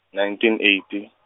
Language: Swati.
nineteen eigthy.